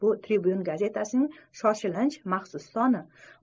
bu tribyun gazetasining shoshilinch maxsus soni